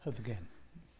Hyddgen?